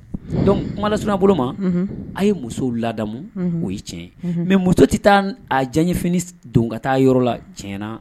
Dɔnc kumalas bolo ma a ye muso ladamu o ye tiɲɛ mɛ muso tɛ taa a janɲɛf don ka taa yɔrɔ la tiɲɛna